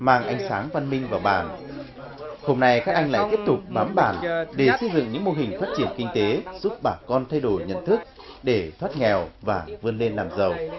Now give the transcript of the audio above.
mang ánh sáng văn minh vào bản hôm nay các anh lại tiếp tục bám bản để xây dựng những mô hình phát triển kinh tế giúp bà con thay đổi nhận thức để thoát nghèo và vươn lên làm giàu